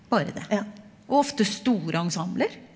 bare det og ofte stor ensembler.